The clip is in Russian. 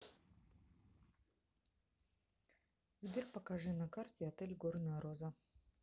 сбер покажи на карте отель горная роза